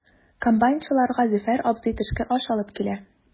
Комбайнчыларга Зөфәр абзый төшке аш алып килә.